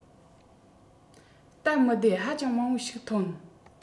སྟབས མི བདེ ཧ ཅང མང པོ ཞིག ཐོན